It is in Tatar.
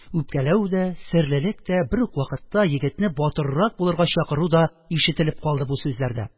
Үпкәләү дә, серлелек тә, бер үк вакытта егетне батыррак булырга чакыру да ишетелеп калды бу сүзләрдә